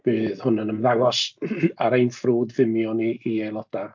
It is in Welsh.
Bydd hwn yn ymddangos ar ein ffrwd Vimeo ni i aelodau.